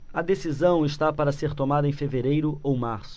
a decisão está para ser tomada em fevereiro ou março